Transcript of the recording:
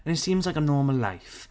And it seems like a normal life.